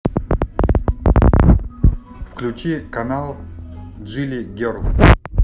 включи канал джили герлс